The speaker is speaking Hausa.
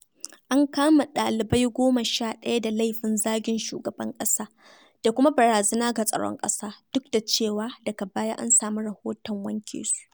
An kama ɗalibai goma sha ɗaya da laifin "zagin shugaban ƙasa" da kuma "barazana ga tsaron ƙasa" duk da cewa daga baya an sami rahoton wanke su.